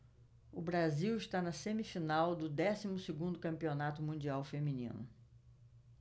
o brasil está na semifinal do décimo segundo campeonato mundial feminino